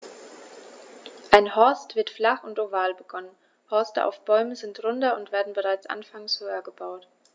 Ein Horst wird flach und oval begonnen, Horste auf Bäumen sind runder und werden bereits anfangs höher gebaut.